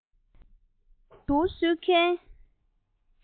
མི རིང བར བྱིའུ གསོད མཁན